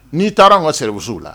N'i taara anw ka service la.